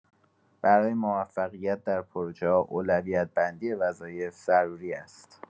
برای موفقیت در پروژه‌ها، اولویت‌بندی وظایف ضروری است.